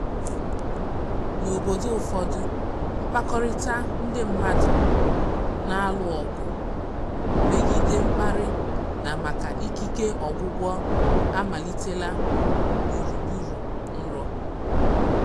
N'obodo ụfọdụ, mkpakọrịta ndị mmadụ na-alụ ọgụ megide mkparị na maka ikike ọgwụgwọ amalitela gburugburu NRỌ.